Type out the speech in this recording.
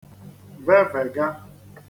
vevèga